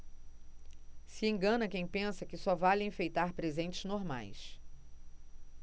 se engana quem pensa que só vale enfeitar presentes normais